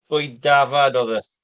Bwyd dafad oedd e.